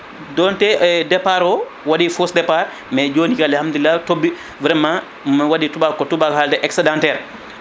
donte départ o waɗi fausse départ mais joni kadi Alhamdulillah tooɓi vraiment mi waɗi no tubak ko tubak halte excédentaire